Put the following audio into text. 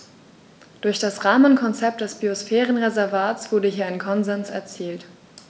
Durch das Rahmenkonzept des Biosphärenreservates wurde hier ein Konsens erzielt.